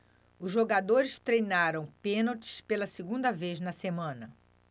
os jogadores treinaram pênaltis pela segunda vez na semana